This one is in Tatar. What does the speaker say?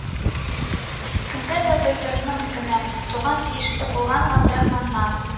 Кемгә дә белдерми генә, туган тиешлесе булган габдрахманнан